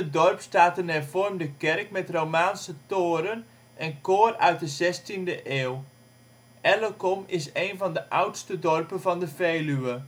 dorp staat een hervormde kerk met romaanse toren en koor uit de 16de eeuw. Ellecom is een van de oudste dorpen van de Veluwe